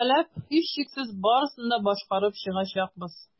Бергәләп, һичшиксез, барысын да башкарып чыгачакбыз.